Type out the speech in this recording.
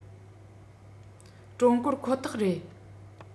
ཀྲུང གོར ཁོ ཐག རེད